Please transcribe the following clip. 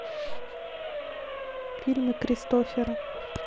фильмы кристофера